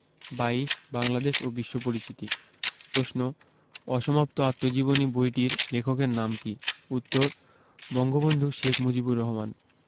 ২২ বাংলাদেশ ও বিশ্ব পরিচিতি প্রশ্ন অসমাপ্ত আত্মজীবনী বইটির লেখকের নাম কী উত্তর বঙ্গবন্ধু শেখ মুজিবুর রহমান